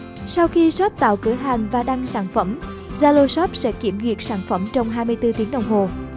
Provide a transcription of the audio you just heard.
sau khi shop tạo cửa hàng và đăng sản phẩm zalo shop sẽ kiểm duyệt sản phẩm trong tiếng đồng hồ